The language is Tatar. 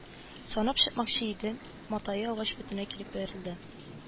Санап чыкмакчы иде, матае агач төбенә килеп бәрелде.